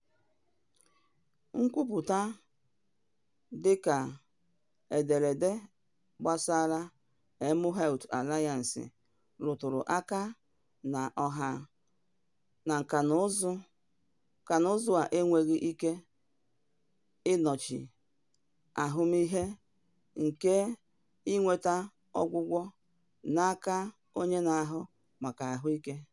Nkwupụta dị n'ederede gbasara mHealth Alliance rụtụrụ aka ná nkànaụzụ a enweghị ike ịnọchi ahụmihe nke ịnweta ọgwụgwọ n'aka onye na-ahụ maka ahụike.